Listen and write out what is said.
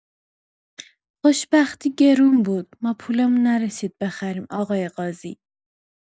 خوشبختی گرون بود ما پولمون نرسید بخریم آقای قاضی!